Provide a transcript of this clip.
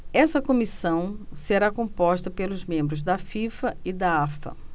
essa comissão será composta por membros da fifa e da afa